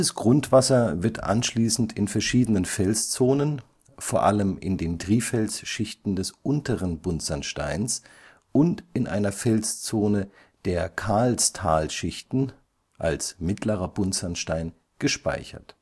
Grundwasser wird anschließend in verschiedenen Felszonen, vor allem in den Trifelsschichten des unteren Buntsandsteins und in einer Felszone der Karlstalschichten (mittlerer Buntsandstein) gespeichert